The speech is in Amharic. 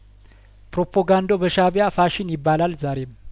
ፕሮፖጋንዳው በሻእቢያፋሽን ይባላል ዛሬም